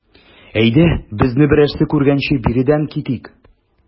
Әйдә, безне берәрсе күргәнче биредән китик.